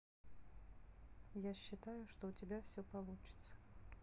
я считаю что у тебя все получится